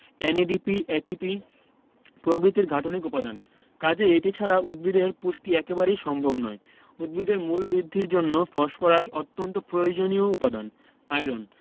NADP ATP প্রভৃতির গাঠনিক উপাদান কাজেই এটি ছাড়া উদ্ভিদের পুষ্টি একেবারেই সম্ভব নয় উদ্ভিদের মূল বৃদ্ধির জন্য ফসফরাস অত্যন্ত প্রয়োজনীয় উপাদান আয়রন